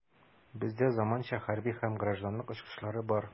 Бездә заманча хәрби һәм гражданлык очкычлары бар.